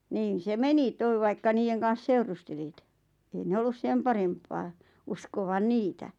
niin se meni tuo vaikka niiden kanssa seurustelit ei ne ollut sen parempaa uskovan niitä